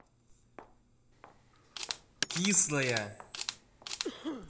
кислая